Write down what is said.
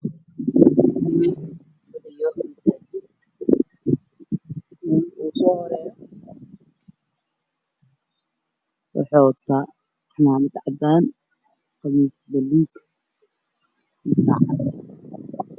Waa wiilal fadhiya masaajid waxay wataan khamiis haddaan khamiis maluug ahmed cadaan